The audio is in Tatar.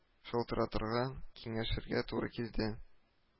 Шалтыратырга, киңәшергә туры килде